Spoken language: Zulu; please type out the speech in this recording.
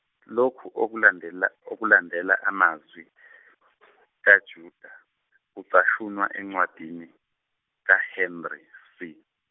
lokhu okulandela okulandela amazwi kaJudd a kucashunwa encwadini kaHenry C.